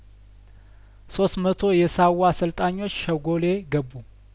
ሶስት መቶ የሳዋ ሰልጣኞች ሸጐሌ ገቡ